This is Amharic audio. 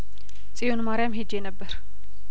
ጺዮን ማሪያም ሄጄ ነበር